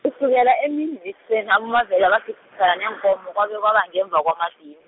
kusukela emini yekuseni, aboMavela bagijimisane neenkomo kwabe kwaba ngemva kwamadina.